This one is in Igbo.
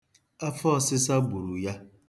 Afọọsịsa gburu ya.